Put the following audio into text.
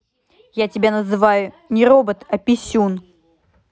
я тебя называю не робот а писюн